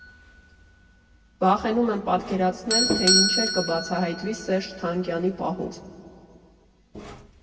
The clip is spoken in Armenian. Վախենում եմ պատկերացնել, թե ինչեր կբացահայտվի Սերժ Թանկյանի պահով։